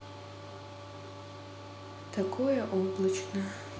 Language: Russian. такое облачно